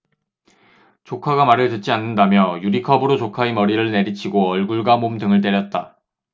조카가 말을 듣지 않는다며 유리컵으로 조카의 머리를 내리치고 얼굴과 몸 등을 때렸다